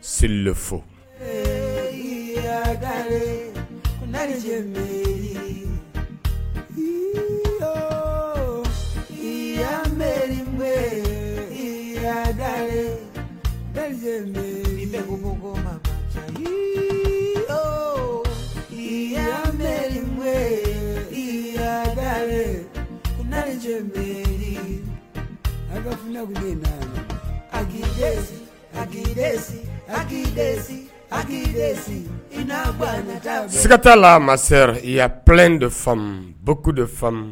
Seli foga m yiyameri yagare mri ko ko ko yiyame yiya mri a aki akiresi hakilikikiresi itaigata la ma sera i ya p de faamu ba de famu